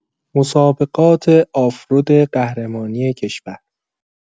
مسابقات آفرود قهرمانی کشور